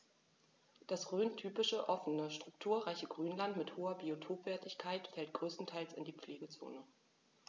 Das rhöntypische offene, strukturreiche Grünland mit hoher Biotopwertigkeit fällt größtenteils in die Pflegezone.